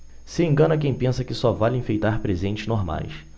se engana quem pensa que só vale enfeitar presentes normais